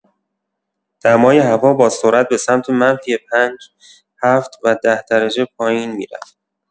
دمای هوا با سرعت به‌سمت منفی پنج، هفت و ده درجه پایین می‌رفت.